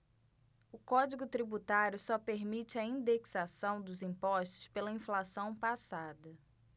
o código tributário só permite a indexação dos impostos pela inflação passada